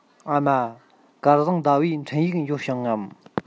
ཨ མ སྐལ བཟང ཟླ བའི འཕྲིན ཡིག འབྱོར བྱུང ངམ